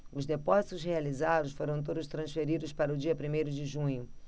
os depósitos realizados foram todos transferidos para o dia primeiro de junho